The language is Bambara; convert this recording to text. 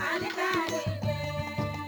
Sangɛnin